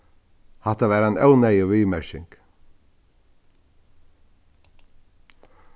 hatta var ein óneyðug viðmerking